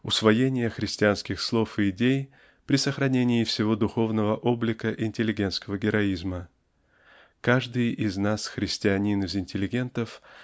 усвоение христианских слов и идей при сохранении всего духовного облика интеллигентского героизма. Каждый из нас христианин из интеллигентов